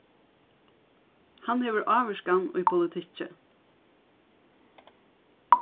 hann hevur ávirkan í politikki